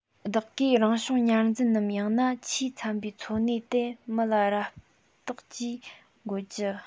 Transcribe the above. བདག གིས རང བྱུང ཉར འཛིན ནམ ཡང ན ཆེས འཚམ པའི འཚོ གནས དེ མི ལ རབ བཏགས ཀྱིས འགོད རྒྱུ